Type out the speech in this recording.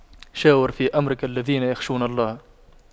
شاور في أمرك الذين يخشون الله